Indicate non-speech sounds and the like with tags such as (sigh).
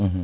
(hesitation) ùhum